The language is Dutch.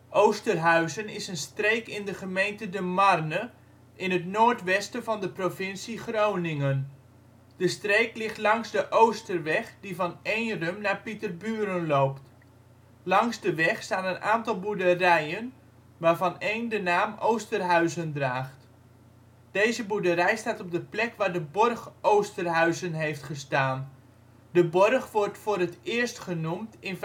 Oosterhuizen is een streek in de gemeente De Marne in het noordwesten van de provincie Groningen. De streek ligt langs de Oosterweg die van Eenrum naar Pieterburen loopt. Langs de weg staan een aantal boerderijen, waarvan een de naam Oosterhuizen draagt. Deze boerderij staat op de plek waar de borg Oosterhuysen heeft gestaan. De borg wordt voor het eerst genoemd in